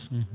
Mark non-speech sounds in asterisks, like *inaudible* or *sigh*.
*hesitation* *hesitation*